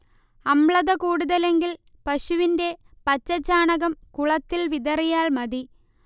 അമ്ലത കൂടുതലെങ്കിൽ പശുവിന്റെ പച്ചച്ചാണകം കുളത്തിൽ വിതറിയാൽമതി